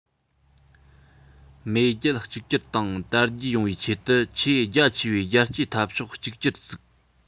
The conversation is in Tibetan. མེས རྒྱལ གཅིག གྱུར དང དར རྒྱས ཡོང བའི ཆེད དུ ཆེས རྒྱ ཆེ བའི རྒྱལ གཅེས འཐབ ཕྱོགས གཅིག གྱུར བཙུགས